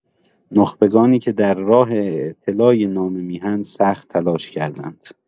نخبگانی که در راه اعتلای نام میهن سخت تلاش کردند.